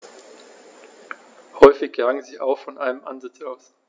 Häufig jagen sie auch von einem Ansitz aus.